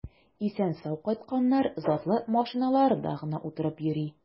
Исән-сау кайтканнар затлы машиналарда гына утырып йөри.